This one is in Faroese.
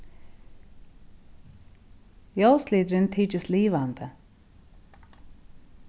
ljósliturin tykist livandi